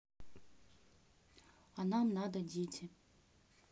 а нам надо дети